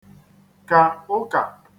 -kà ụkà